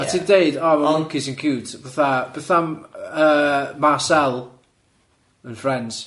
A ti'n deud o ma' monkeys sy'n ciwt fatha fatha yy Marcel yn Frens.